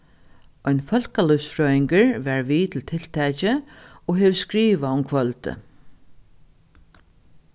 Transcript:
ein fólkalívsfrøðingur var við til tiltakið og hevur skrivað um kvøldið